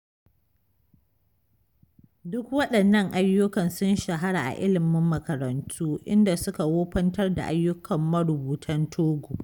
Duk waɗannan ayyukan sun shahara a ilimin makarantu, inda suka wofantar da ayyukan marubutan Togo.